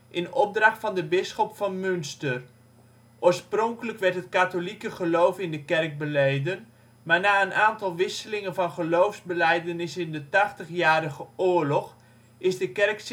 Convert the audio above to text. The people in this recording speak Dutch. in opdracht van de bisschop van Münster. Oorspronkelijk werd het katholieke geloof in de kerk beleden, maar na een aantal wisselingen van geloofsbelijdenis in de Tachtigjarige Oorlog is de kerk